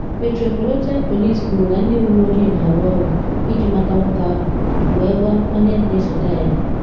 Metropolitan Police kwuru na ndị uwe ojii na arụ ọrụ iji mata nwoke ahụ wee gwa onye na esote ya.